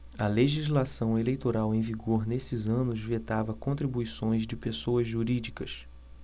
a legislação eleitoral em vigor nesses anos vetava contribuições de pessoas jurídicas